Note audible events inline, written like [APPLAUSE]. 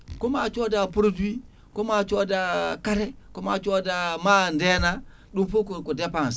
koma cooda produit koma cooda [HESITATION] kaate koma cooda ma ndeena ɗum foo ko dépense